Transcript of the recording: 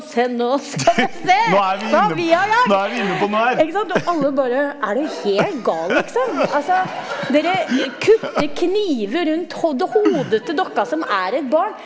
se nå skal du se hva vi har lagd ikke sant, og alle bare, er du helt gal liksom, altså dere kutter kniver rundt og hodet til dokka som er et barn.